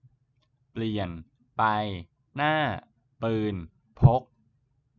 เปลี่ยนไปหน้าปืนพก